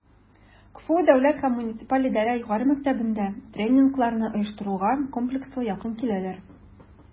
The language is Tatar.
КФУ Дәүләт һәм муниципаль идарә югары мәктәбендә тренингларны оештыруга комплекслы якын киләләр: